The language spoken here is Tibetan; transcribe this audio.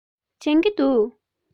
སྦྱོང གི འདུག